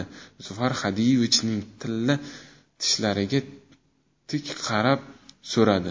zufar xodiyevichning tilla tishlariga tik qarab so'radi